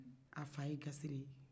a fa ye kasiri ye